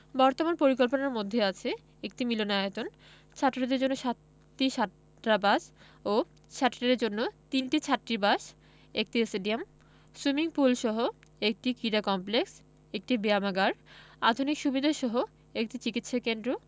বর্তমান পরিকল্পনার মধ্যে আছে একটি মিলনায়তন ছাত্রদের জন্য সাতটি ছাত্রাবাস ও ছাত্রীদের জন্য তিনটি ছাত্রীবাস একটি স্টেডিয়াম সুইমিং পুলসহ একটি কীড়া কমপ্লেক্স একটি ব্যায়ামাগার আধুনিক সুবিধাসহ একটি চিকিৎসা কেন্দ্র